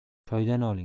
choydan oling